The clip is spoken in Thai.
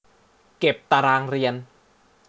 เก็บตารางเรียน